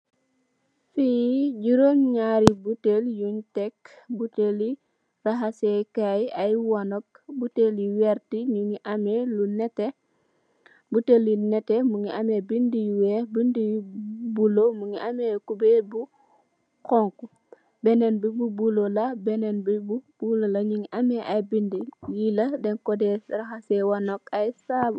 Fee jurum nyari botel yun tek botele rahase kay aye wanok botel yu werte nuge ameh lu neteh botel yu neteh muge ameh bede yu weex bede yu bulo muge ameh kuberr bu xonxo benen be bu bulo la benen be bu bulo la nuge ameh aye bede ye la dang ku deh rahase wanok aye sabu.